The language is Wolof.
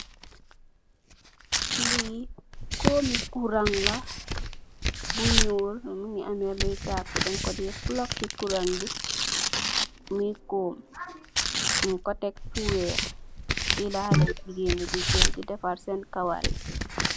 Li kommi kurang la bu ñuul mugii ameh lu takka deñ ko dèè plug ci kurang bi muy kom ñing ko tèk fu wèèx mom la xaleyi jigeen yi de jél def defarr sèèn kawarr yi.